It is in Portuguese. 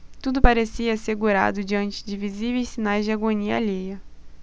tudo parecia assegurado diante de visíveis sinais de agonia alheia